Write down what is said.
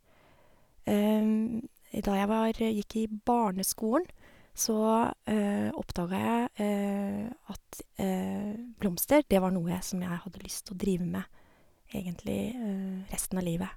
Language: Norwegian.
Da jeg var gikk i barneskolen, så oppdaga jeg at blomster, det var noe jeg som jeg hadde lyst å drive med egentlig resten av livet.